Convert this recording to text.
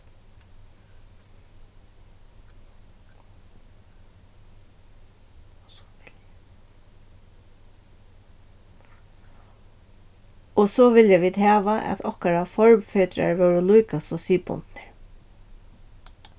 og so vilja vit hava at okkara forfedrar vóru líka so siðbundnir